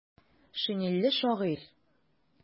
Шинельле шагыйрь.